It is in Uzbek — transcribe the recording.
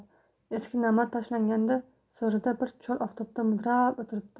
eski namat tashlangan so'rida bir chol oftobda mudrab o'tiribdi